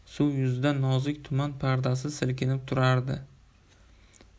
suv yuzida nozik tuman pardasi silkinib turardi